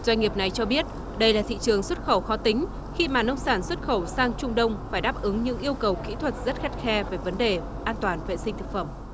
doanh nghiệp này cho biết đây là thị trường xuất khẩu khó tính khi mà nông sản xuất khẩu sang trung đông phải đáp ứng những yêu cầu kỹ thuật rất khắt khe về vấn đề an toàn vệ sinh thực phẩm